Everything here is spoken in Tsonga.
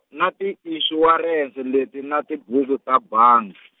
na tinxuwarense leti na tibuku ta bang- .